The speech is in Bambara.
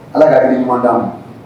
Ala ka hakili ɲuman di ma